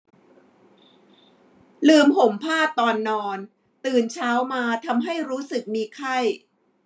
ลืมห่มผ้าตอนนอนตื่นเช้ามาทำให้รู้สึกมาไข้